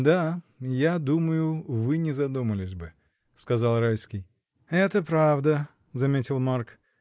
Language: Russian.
— Да, я думаю, вы не задумались бы! — сказал Райский. — Это правда, — заметил Марк.